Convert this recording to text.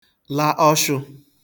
la ọshụ̄